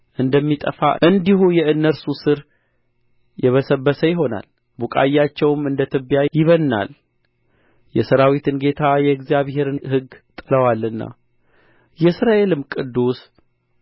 እንደሚጠፋ እንዲሁ የእነርሱ ሥር የበሰበሰ ይሆናል ቡቃያቸውም እንደ ትቢያ ይበንናል የሠራዊት ጌታ የእግዚአብሔርን ሕግ ጥለዋልና የእስራኤልም ቅዱስ